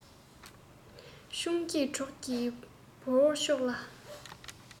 ཆུང སྐྱེས གྲོགས ཀྱིས བོར བའི ཕྱོགས ལ